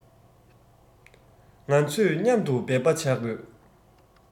ང ཚོས མཉམ དུ འབད པ བྱ དགོས